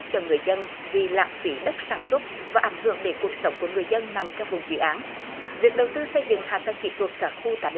cho người dân vì lãng phí đất sản xuất và ảnh hưởng đến cuộc sống của người dân nằm trong vùng dự án việc đầu tư xây dựng hạ tầng kỹ thuật cả khu tái